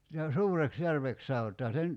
no Suureksijärveksi sanotaan se nyt